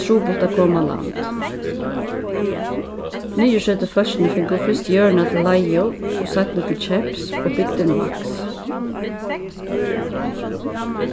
trupult at koma á land niðursetufólkini fingu fyrst jørðina til leigu og seinni til keyps og bygdin vaks